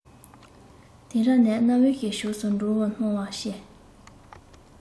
དེང རབས ནས གནའ བོའི ཕྱོགས སུ འགྲོ བའི སྣང བ སྐྱེས